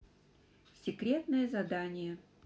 секретное задание